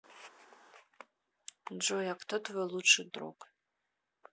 джой а кто твой лучший друг